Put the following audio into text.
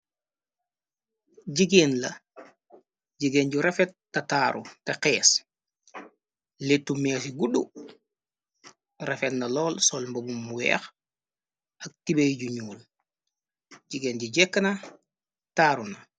Jigéen la jigéen ju rafet na taaru te xees léttu meesi guddu rafet na lool sol mbubumu weex ak tibey ju ñuul jigéen ji jekk na taaru na.